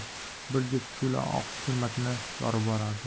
bir juft shu'la oqish zulmatni yorib borardi